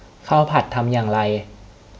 ข้าวผัดทำอย่างไร